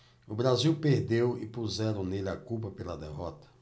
o brasil perdeu e puseram nele a culpa pela derrota